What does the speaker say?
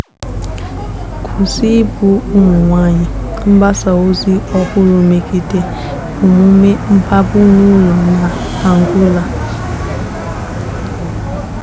Kwụsị igbu ụmụ nwaanyị' — mgbasa ozi ọhụrụ megide omume mkpagbu n'ụlọ na Angola